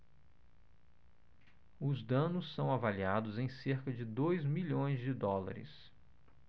os danos são avaliados em cerca de dois milhões de dólares